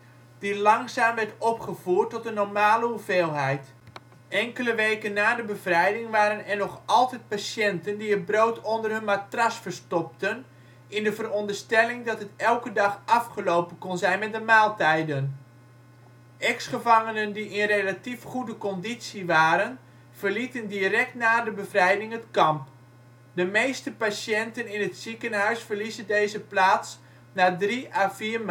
die langzaam werd opgevoerd tot een normale hoeveelheid. Enkele weken na de bevrijding waren er nog altijd patiënten die het brood onder hun matras verstopten, in de veronderstelling dat het elke dag afgelopen kon zijn met de maaltijden. Ex-gevangenen die in relatief goede conditie waren, verlieten direct na de bevrijding het kamp. De meeste patiënten in het ziekenhuis verlieten deze plaats na drie à vier maanden